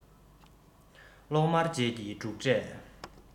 གློག དམར རྗེས ཀྱི འབྲུག སྒྲས